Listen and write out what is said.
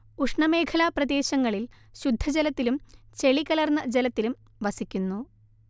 ഉഷ്ണമേഖലാ പ്രദേശങ്ങളിൽ ശുദ്ധജലത്തിലും ചെളികലർന്ന ജലത്തിലും വസിക്കുന്നു